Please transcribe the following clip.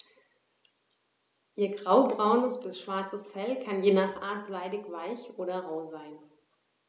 Ihr graubraunes bis schwarzes Fell kann je nach Art seidig-weich oder rau sein.